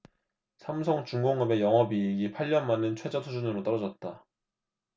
삼성중공업의 영업이익이 팔 년 만에 최저수준으로 떨어졌다